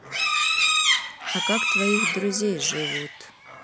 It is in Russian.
а как твоих друзей живут